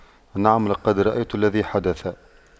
نعم لقد رأيت الذي حدث